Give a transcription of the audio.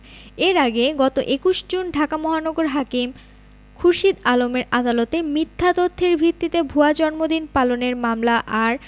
এর আগে গত ২১ জুন ঢাকা মহানগর হাকিম খুরশীদ আলমের আদালতে মিথ্যা তথ্যের ভিত্তিতে ভুয়া জন্মদিন পালনের মামলা আর